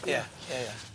Ie. Ie ie.